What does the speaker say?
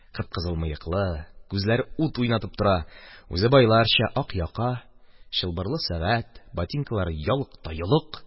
Кып-кызыл мыеклы, күзләре ут уйнап тора, үзе байларча: ак яка, чылбырлы сәгать, ботинкалары ялык та йолык.